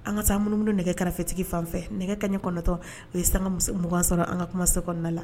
An ka taa minnuumunu nɛgɛ kɛrɛfɛtigi fanfɛ nɛgɛ kaɲɛ kɔnɔntɔn u ye san mugan sɔrɔ an ka kuma se kɔnɔna la